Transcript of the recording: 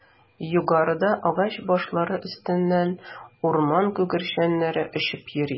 Югарыда агач башлары өстеннән урман күгәрченнәре очып йөри.